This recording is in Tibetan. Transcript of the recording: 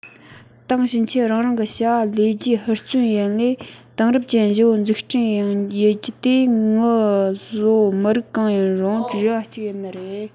དེང ཕྱིན ཆད རང རང གི བྱ བ ལས རྒྱུའོ ཧུར བརྩོན ཡེད ལས དེང རབས ཅན བཞི བོ འཛུགས སྐྲུན ཡེད རྒྱུའོ དེ ངུ བཟོ མི རིགས གང ཡིན དྲུང རེ བ ཅིག ཡིན ནི རེད